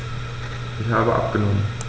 Ich habe abgenommen.